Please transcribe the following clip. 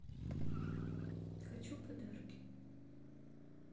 хочу подарки